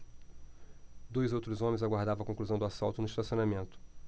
dois outros homens aguardavam a conclusão do assalto no estacionamento